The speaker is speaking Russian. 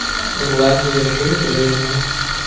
зла не держи брежнева